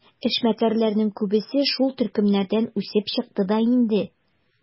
Эшмәкәрләрнең күбесе шул төркемнәрдән үсеп чыкты да инде.